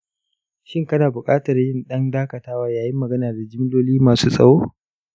shin kana buƙatar yin ɗan dakatawa yayin magana da jimloli masu tsawo?